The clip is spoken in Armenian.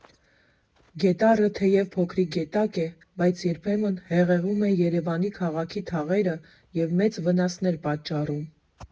Գետառը թեև փոքրիկ գետակ է, բայց երբեմն հեղեղում է Երևան քաղաքի թաղերը և մեծ վնասներ պատճառում։